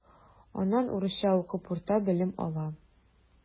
Аннан урысча укып урта белем ала.